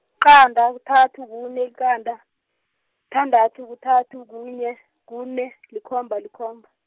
qanda kuthathu kune yiqanda, sithandathu kuthathu kunye, kune , likhomba likhomba.